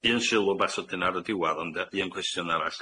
un sylw bach sydyn ar y diwadd ond yy un cwestiwn arall